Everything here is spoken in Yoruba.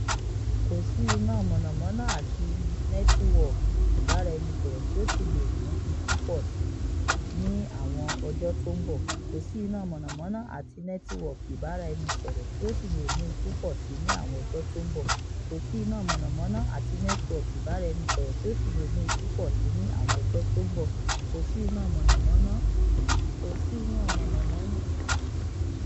Kò sí iná mọ̀nà-mọ́ná àti nẹ́tíwọkì ìbáraẹnisọ̀rọ̀ tí ó sì lè mú ikú pọ̀si ní àwọn ọjọ tó ńbọ̀